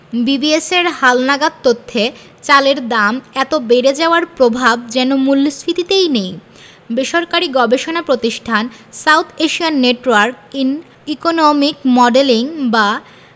বিবিএসের হালনাগাদ তথ্যে চালের দাম এত বেড়ে যাওয়ার প্রভাব যেন মূল্যস্ফীতিতে নেই বেসরকারি গবেষণা প্রতিষ্ঠান South Asian Network on Economic Modelling বা